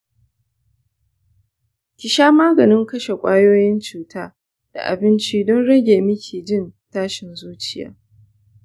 kisha maganin kashe kwayoyin cuta da abinci don ya rage miki jin tashin zuciya.